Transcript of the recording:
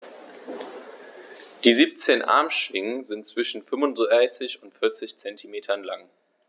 Die 17 Armschwingen sind zwischen 35 und 40 cm lang.